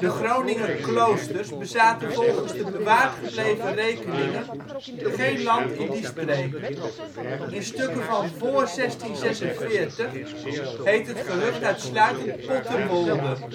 Groninger kloosters bezaten volgens de bewaard gebleven rekeningen geen land in die streek. In stukken van vóór 1646 heet het gehucht uitsluitend Potterwolde